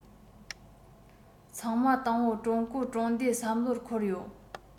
ཚང མ དང པོ ཀྲུང གོན གྲོང སྡེ བསམ བློར འཁོར ཡོད